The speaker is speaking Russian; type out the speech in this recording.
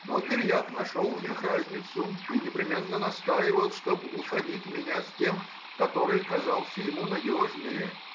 Но Кириак нашел в них разницу и непременно настаивал, чтобы усадить меня с тем, который казался ему надежнее